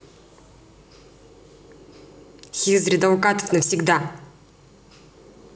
хизри далгатов навсегда